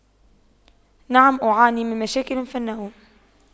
نعم أعاني من مشاكل في النوم